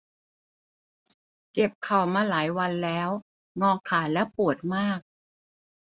เจ็บเข่ามาหลายวันแล้วงอขาแล้วปวดมาก